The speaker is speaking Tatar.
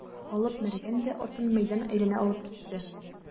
Алып Мәргән дә атын мәйдан әйләнә алып китте.